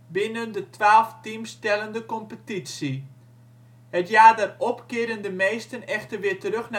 binnen de twaalf teams tellende competitie. Het jaar daarop keerden de meesten echter weer terug